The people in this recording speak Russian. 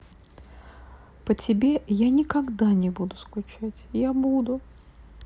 по тебе я никогда не будут скучать я буду